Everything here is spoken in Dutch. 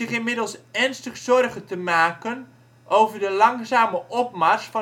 inmiddels ernstig zorgen te maken over de langzame opmars